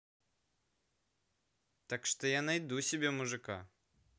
так что я найду себе мужика